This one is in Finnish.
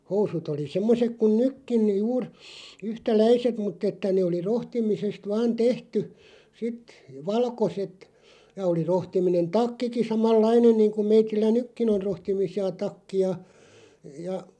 housut oli semmoiset kuin nytkin juuri yhtäläiset mutta että ne oli rohtimisesta vain tehty sitten valkoiset ja oli rohtiminen takkikin samanlainen niin kuin meillä nytkin on rohtimisia takkeja ja